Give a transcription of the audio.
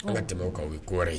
An ka tɛmɛ ka yeɔr ye